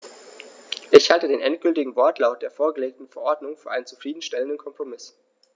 Ich halte den endgültigen Wortlaut der vorgelegten Verordnung für einen zufrieden stellenden Kompromiss.